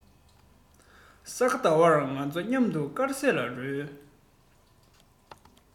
ས ག ཟླ བར ང ཚོ མཉམ དུ དཀར ཟས ལ རོལ